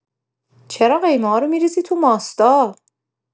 چرا قیمه‌ها رو می‌ریزی تو ماستا؟